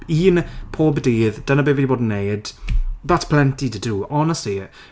Un pob dydd dyna be fi 'di bod yn wneud. That's plenty to do honestly.